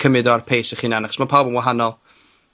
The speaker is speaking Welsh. cymyd o ar pace eich hunan. Achos ma' pawb yn wahanol.